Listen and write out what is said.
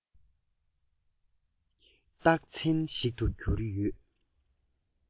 རྟགས མཚན ཞིག ཏུ གྱུར ཡོད